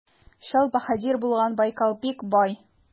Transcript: Чал баһадир булган Байкал бик бай.